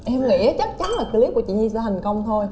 em nghĩ á chắc chắn là cờ líp của chị nhi sẽ thành công thôi